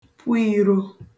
pụ īrō